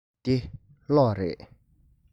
འདི གློག རེད